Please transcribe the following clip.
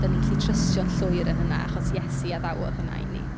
Dan ni'n gallu trystio'n llwyr yn hynna achos Iesu addawodd hynna i ni.